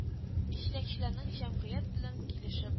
Җитәкчелекнең җәмгыять белән килешеп